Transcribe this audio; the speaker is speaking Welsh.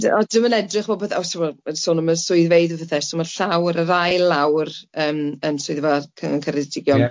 Dy- o di'm yn edrych fel pethe o's ti'bod yn sôn am y swyddfeydd a phethe so ma' llawr yr ail lawr yym yn swyddfa'r Cyngor Ceredigon... Ia...